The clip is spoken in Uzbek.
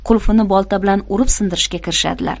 qulfini bolta bilan urib sindirishga kirishadilar